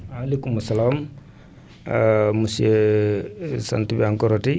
waaleykuma salaam monsieur sant bi encore ati